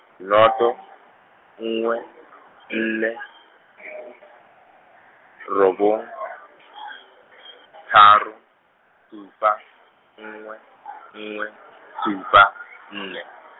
noto, nngwe, nne , robong, tharo, supa, nngwe, nngwe, supa, nne.